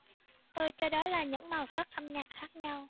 tôi cho đó là những màu sắc âm nhạc khác nhau